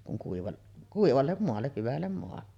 kun - kuivalle maalle hyvälle maalle